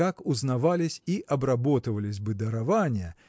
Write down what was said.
как узнавались и обработывались бы дарования